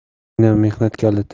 yer xazina mehnat kaliti